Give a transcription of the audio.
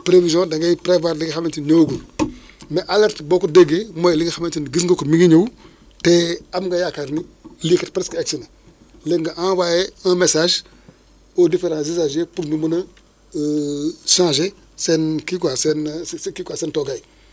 prévision da ngay prévoir oli nga xamante ni ñëwagul mais alerte boo ko déggee mooy li nga xamante ni gis nga ko mi ngi ñëw te am nga yaakaar ni lii kat presque egsi na léegi nga envoyé un message aux diffrents usagers pour ñu mën a changer seen kii quoi seen seen kii quoi seen toogaay